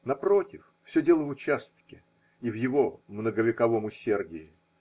Напротив, все дело в участке и в его многовековом усердии.